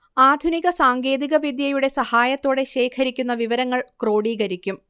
ആധുനിക സാങ്കേതിക വിദ്യയുടെ സഹായത്തോടെ ശേഖരിക്കുന്ന വിവരങ്ങൾ ക്രോഡീകരിക്കും